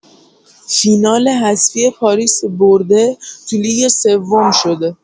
فینال حذفی پاریس برده تو لیگ سوم شده